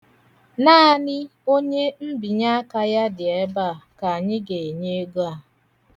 Naanị onye mbinyeaka ya dị ebe a ka anyị ga-enye ego a.